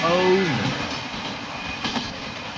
Oh no. I love her.